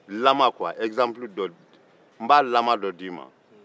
lama kuwa ɛkizanpulu n b'a lama dɔ d'i ma